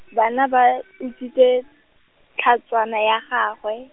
bana ba, utswitse, tlhatswana ya gagwe.